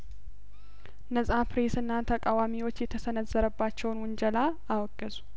ነጻ ፕሬስና ተቃዋሚዎች የተሰነዘረባቸውን ውንጀላ አወገዙ